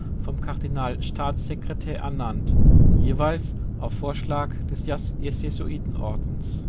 Kardinalstaatssekretär ernannt (jeweils auf Vorschlag des Jesuitenordens